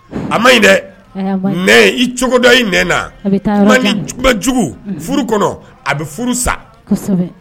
A ma ɲi dɛ. Nɛn i cogo dɔn i mɛn na . Kuma jugu furu kɔnɔ a bɛ furu sa. kɔsɛbɛ .